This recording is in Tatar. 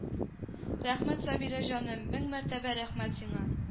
Рәхмәт сабира җаным мең мәртәбә рәхмәт сиңа